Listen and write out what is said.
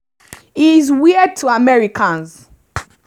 He's weird to Americans.